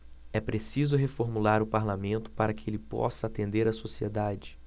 é preciso reformular o parlamento para que ele possa atender a sociedade